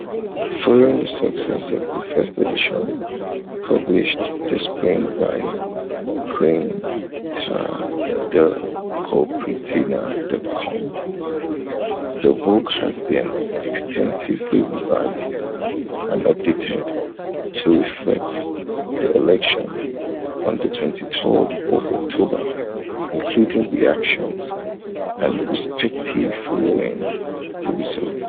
Following the success of the first edition, published this spring by quintadicopertina.com, the book has been extensively revised and updated to reflect the elections on the 23rd of October, including reactions and perspectives following the results.